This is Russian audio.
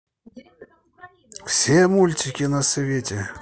все мультики на свете